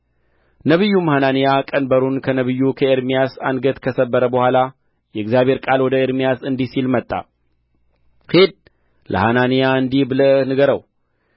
ነቢዩም ኤርምያስ መንገዱን ሄደ ነቢዩም ሐናንያ ቀንበሩን ከነቢዩ ከኤርምያስ አንገት ከሰበረ በኋላ የእግዚአብሔር ቃል ወደ ኤርምያስ እንዲህ ሲል መጣ ሂድ ለሐናንያ እንዲህ ብለህ ንገረው